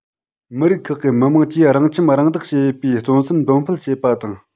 མི རིགས ཁག གི མི དམངས ཀྱིས རང ཁྱིམ རང བདག བྱེད པའི བརྩོན སེམས འདོན སྤེལ བྱེད པ དང